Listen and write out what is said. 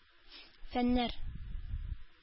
Фәннәр